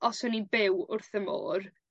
Os o'n i'n byw wrth y môr